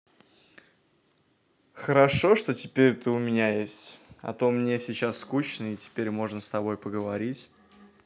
хорошо что теперь ты у меня есть а то мне сейчас скучно и теперь можно с тобой поговорить